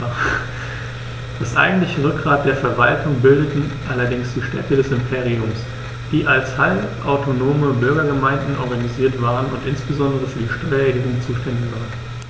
Das eigentliche Rückgrat der Verwaltung bildeten allerdings die Städte des Imperiums, die als halbautonome Bürgergemeinden organisiert waren und insbesondere für die Steuererhebung zuständig waren.